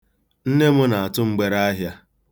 Nne m na-atụ mgbere ahịa.